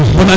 hum